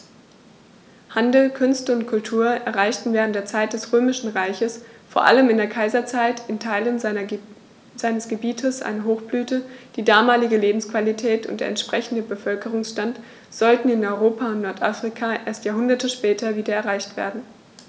Handel, Künste und Kultur erreichten während der Zeit des Römischen Reiches, vor allem in der Kaiserzeit, in Teilen seines Gebietes eine Hochblüte, die damalige Lebensqualität und der entsprechende Bevölkerungsstand sollten in Europa und Nordafrika erst Jahrhunderte später wieder erreicht werden.